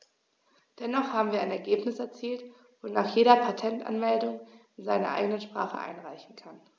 Dennoch haben wir ein Ergebnis erzielt, wonach jeder Patentanmeldungen in seiner eigenen Sprache einreichen kann.